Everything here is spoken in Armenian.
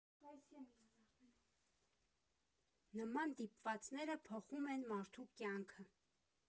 Նման դիպվածները փոխում են մարդու կյանքը։